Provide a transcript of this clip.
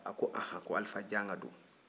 a ko ahan ko alifa janga don